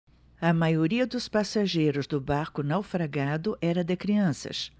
a maioria dos passageiros do barco naufragado era de crianças